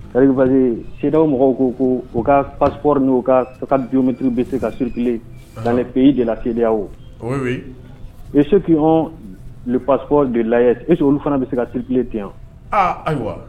Parce que CEDEAO mɔgɔw ko ko u ka passport n'u ka carte biometrique bɛ se ka circuler dans les pas de la CEDEAO, oui, oui, mais ce qui ont le passport de l'AES, est-ce que olu fana bɛ se ka circuler ɔ, ayiwa